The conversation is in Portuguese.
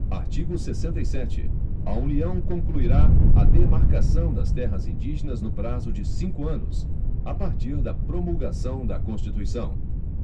artigo sessenta e sete a união concluirá a demarcação das terras indígenas no prazo de cinco anos a partir da promulgação da constituição